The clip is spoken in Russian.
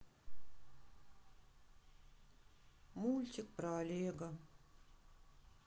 мультик про олега